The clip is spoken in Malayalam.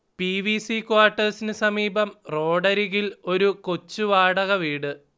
പി. വി. സി ക്വാർട്ടേഴ്സിന് സമീപം റോഡരികിൽ ഒരു കൊച്ചുവാടകവീട്